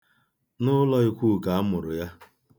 N'ụlọikwuu ka a mụrụ ya.